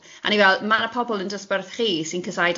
A o'n i fel ma'na pobl yn dosbarth chi sy'n casáu